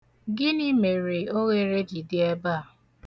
Gịnị mere oghere ji dị ebe a?